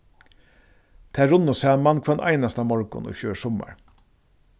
tær runnu saman hvønn einasta morgun í fjør summar